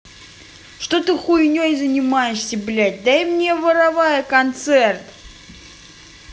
что ты хуйней занимаешься блядь дай мне воровая концерт